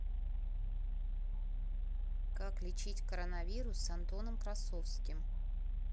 как лечить коронавирус с антоном красовским